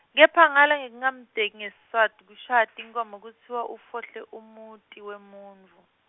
kepha ngalangekungamteki- ngeSiswati kushaywa tinkhomo kutsiwe ufohle umuti wemuntfu.